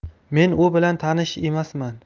men u bilan tanish emasman